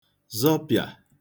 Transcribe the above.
zọpịà